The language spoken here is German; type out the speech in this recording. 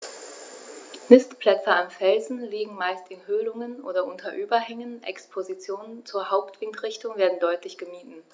Nistplätze an Felsen liegen meist in Höhlungen oder unter Überhängen, Expositionen zur Hauptwindrichtung werden deutlich gemieden.